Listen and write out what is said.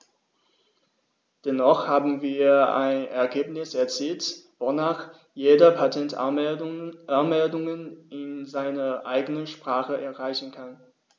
Dennoch haben wir ein Ergebnis erzielt, wonach jeder Patentanmeldungen in seiner eigenen Sprache einreichen kann.